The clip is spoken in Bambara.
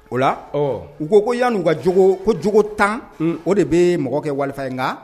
O la u ko ko yan n'u ka ko jugu tan o de bɛ mɔgɔ kɛ wali in kan